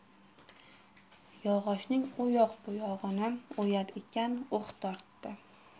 yog'ochning uyoq buyog'ini o'yar ekan uh tortdi